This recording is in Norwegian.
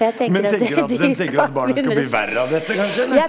men tenker du at dem tenker at barna skal bli verre av dette kanskje, eller?